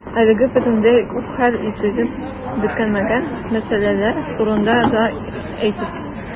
Әлегә бөтенләй үк хәл ителеп бетмәгән мәсьәләләр турында да әйтәсез.